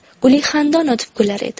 guli xandon otib kular edi